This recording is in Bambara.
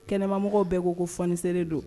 Kɛnɛmamɔgɔw bɛɛ ko ko fonisɛere don